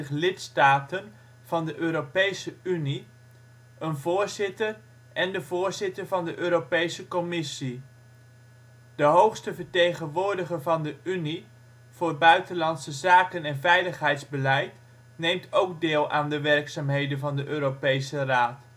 lidstaten van de Europese Unie, een voorzitter en de voorzitter van de Europese Commissie. De Hoge vertegenwoordiger van de Unie voor buitenlandse zaken en veiligheidsbeleid neemt ook deel aan de werkzaamheden van de Europese Raad